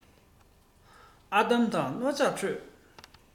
ཨར དམ དང རྣོ ལྕགས ཁྲོད